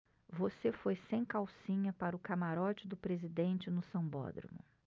você foi sem calcinha para o camarote do presidente no sambódromo